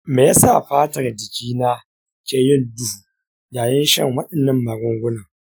me yasa fatar jikina ke yin duhu yayin shan waɗannan magungunan?